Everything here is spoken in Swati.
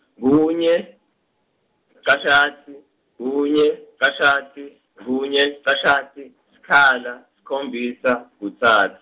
kunye, licashata, kunye, licashata, kunye, licashata, sikhala, sikhombisa, kutsatfu.